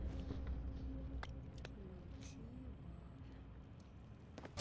включи вап